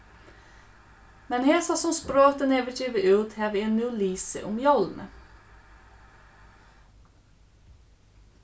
men hesa sum sprotin hevur givið út havi eg nú lisið um jólini